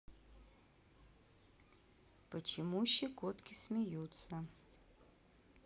почему щекотки смеются